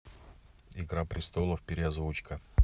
игра престолов переозвучка